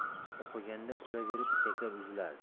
o'qiganda kulaverib ichaklar uzilardi